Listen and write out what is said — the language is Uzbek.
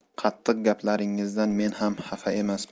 qattiq gaplaringizdan men ham xafa emasman